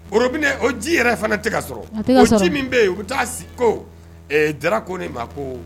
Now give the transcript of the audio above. O o ji yɛrɛ fana tɛ ka sɔrɔ o ci min bɛ yen u bɛ taa sigi ko jara ko de ma ko